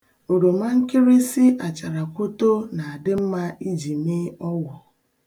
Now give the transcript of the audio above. Oroma nkịrịsị acharakwoto na-adị mma iji mee ọgwụ.